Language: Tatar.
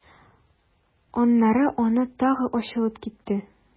Аннары аңы тагы ачылып китте.